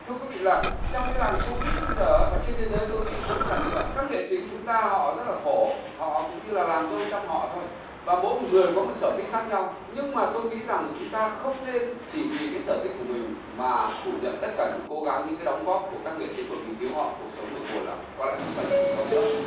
thưa quý vị là trong làng sâu bít bây giờ và trên thế giới tôi nghĩ cũng là như vậy các nghệ sĩ chúng ta họ rất là khổ họ cũng như là làm dâu trăm họ thôi và mỗi người có sở thích khác nhau nhưng mà tôi nghĩ rằng chúng ta không nên chỉ vì cái sở thích của mình mà phủ nhận tất cả những cố gắng những cái đóng góp của các nghệ sĩ bởi vì thiếu họ cuộc sống này buồn lắm có lẽ không phải là cuộc sống nữa